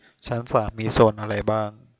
ชั้นสามมีโซนอะไรบ้าง